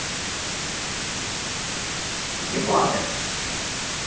ебаная